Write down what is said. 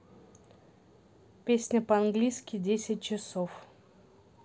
песня по английски десять часов